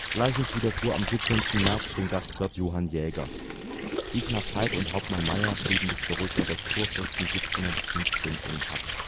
Gleiches widerfuhr am 17. März dem Gastwirt Johann Jäger. Ignaz Haid und Hauptmann Mayer blieben bis zur Rückkehr des Kurfürsten 1715 in Haft